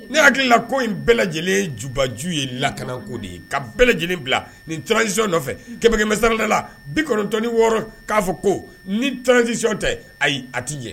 Ni hakilila ko in bɛɛ lajɛlen ye jubaju ye lakanako de ye ka bɛɛ lajɛlen bila nin tjsi nɔfɛ kɛmɛmasada la bi kɔnɔntɔnɔnin wɔɔrɔ k'a fɔ ko ni tjy tɛ ayi a ti jɛ